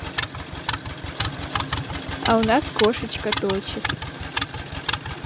а у нас кошечка точит